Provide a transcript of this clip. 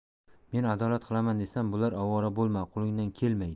men adolat qilaman desam bular ovora bo'lma qo'lingdan kelmaydi